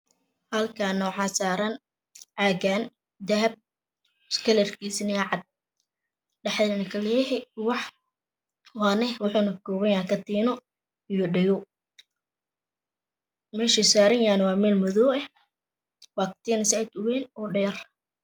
Halkana waxa saran cagan dahab kalarkisuna yahay cad dhaxdane kaleh wax waneh wuxu kakobanyahay Katinad iyo dhago